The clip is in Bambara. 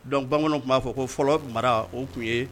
Dɔnku bamananw tun b'a fɔ ko fɔlɔ mara o tun ye